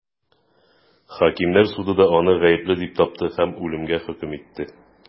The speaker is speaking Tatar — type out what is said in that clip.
Хакимнәр суды да аны гаепле дип тапты һәм үлемгә хөкем итте.